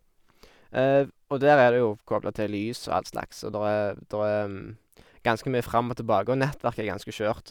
Og der er det jo kobla til lys og allslags, og der er der er ganske mye fram og tilbake, og nettverket er ganske skjørt.